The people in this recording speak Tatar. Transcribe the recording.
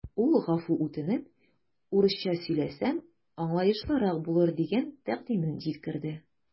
Ул гафу үтенеп, урысча сөйләсәм, аңлаешлырак булыр дигән тәкъдимен җиткерде.